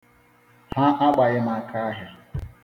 Ha agbaghị m akaahịa.